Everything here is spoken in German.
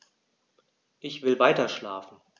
Ich will weiterschlafen.